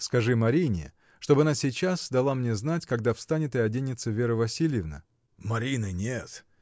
— Скажи Марине, чтоб она сейчас дала мне знать, когда встанет и оденется Вера Васильевна. — Марины нет!